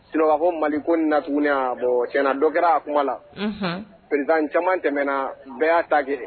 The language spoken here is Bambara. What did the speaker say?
Ko mali ko na tuguni' bɔ cɛɲɛna dɔw kɛra a kuma la pere caman tɛmɛna bɛɛ y'a ta lajɛlen